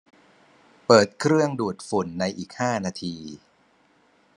เปิดเครื่องดูดฝุ่นในอีกห้านาที